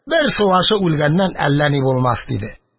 Бер субашы үлгәннән әллә ни булмас! – диде.